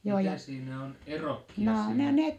mitä siinä on erokkia siinä